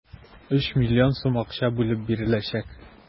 3 млн сум акча бүлеп биреләчәк.